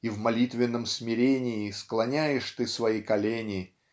и в молитвенном смирении склоняешь ты свои колени